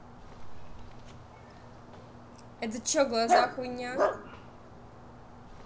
это че глаза хуйня